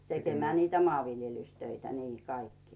tekemään niitä maanviljelystöitä niin kaikkia